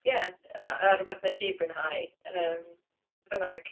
Ie a a rywbeth wnes i fwynhau ymm beth bynnag.